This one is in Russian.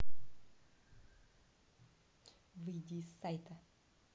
выйди из сайта